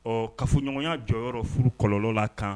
Ɔ kafoɲɔgɔnya jɔyɔrɔ furu kɔlɔlɔla kan